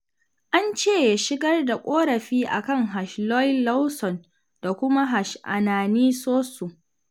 An ce ya shigar da ƙorafi a kan #LoicLawson da kuma #AnaniSossou.